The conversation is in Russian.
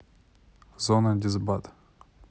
зона дисбат